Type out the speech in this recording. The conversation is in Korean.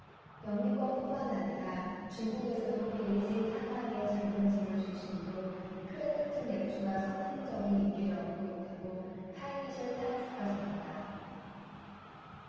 영미권뿐만 아니라 중국에서도 베이징 상하이의 젊은층을 중심으로 크래프트 맥주가 선풍적인 인기를 얻고 있다고 파이낸셜타임스가 전했다